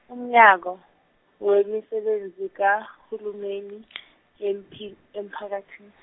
uMnyango weMisebenzi kaHulumeni eMphi- eMphakathi-.